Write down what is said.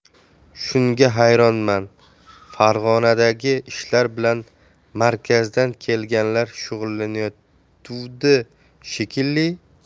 shunga hayronman farg'onadagi ishlar bilan markazdan kelganlar shug'ullanayatuvdi shekilli